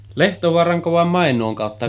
Lehtovaaranko vai Mainuan kautta